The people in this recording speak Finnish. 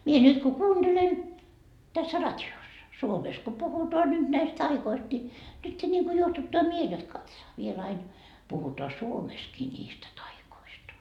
minä nyt kun kuuntelen tässä radiossa Suomessa kun puhutaan nyt näistä taioista niin nyt niin kuin juohduttaa mieli jotta katsohan vielä aina puhutaan Suomessakin niistä taioista